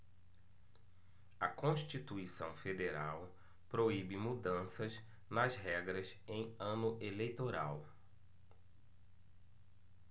a constituição federal proíbe mudanças nas regras em ano eleitoral